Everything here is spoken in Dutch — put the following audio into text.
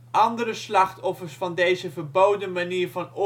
Andere slachtoffers van deze verboden manier van oorlogsvoering